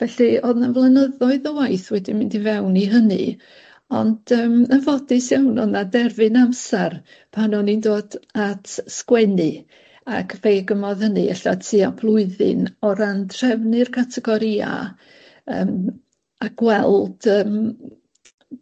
Felly, o'dd 'na flynyddoedd o waith wedi mynd i fewn i hynny ond yym yn fodus iawn o'dd 'na derfyn amser pan o'n i'n dod at sgwennu ac fe gymodd hynny ella tua blwyddyn o ran trefnu'r categoria yym a gweld yym m-